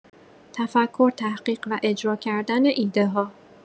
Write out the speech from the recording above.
تفکر، تحقیق و اجرا کردن ایده‌ها